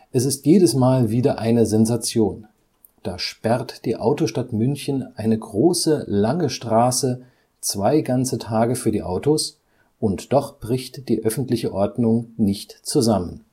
Es ist jedes Mal wieder eine Sensation. Da sperrt die Autostadt München eine große, lange Straße zwei ganze Tage für die Autos – und doch bricht die öffentliche Ordnung nicht zusammen